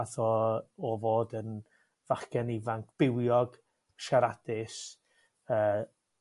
A so o fod yn fachgen ifanc bywiog siaradus yy